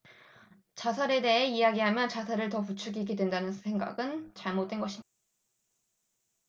자살에 대해 이야기하면 자살을 더 부추기게 된다는 생각은 잘못된 것입니다